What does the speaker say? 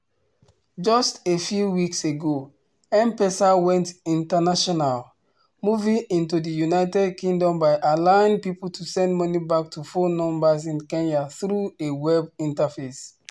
Just a few weeks ago, M-Pesa went international, moving into the United Kingdom by allowing people to send money back to phone numbers in Kenya through a web interface.